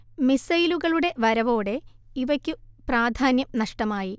മിസൈലുകളുടെ വരവോടെ ഇവയ്ക്കു പ്രാധാന്യം നഷ്ടമായി